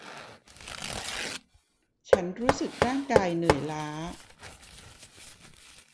ฉันรู้สึกร่างกายเหนื่อยล้า